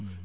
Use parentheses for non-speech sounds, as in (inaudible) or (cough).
(hesitation) (hesitation)